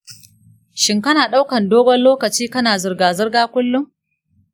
shin kana daukan dogon lokaci kana zirga-zirga kullum?